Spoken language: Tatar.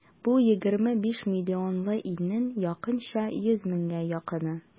Бу егерме биш миллионлы илнең якынча йөз меңгә якыны.